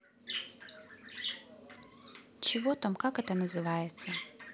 чего там как это называется